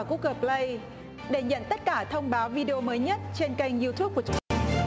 gút gồ pờ lây để nhận thông báo vi đi ô mới nhất trên kênh diu túp của chúng